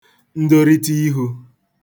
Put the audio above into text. ndorịta ihū